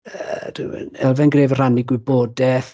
Yy elfen grêf o rannu gwybodaeth.